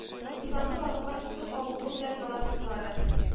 Йолдызларны барлыкка китерү кабынуы белән галактикалары